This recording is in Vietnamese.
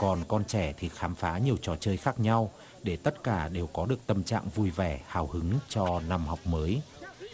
còn con trẻ thì khám phá nhiều trò chơi khác nhau để tất cả đều có được tâm trạng vui vẻ hào hứng cho năm học mới